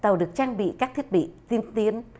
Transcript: tàu được trang bị các thiết bị tiên tiến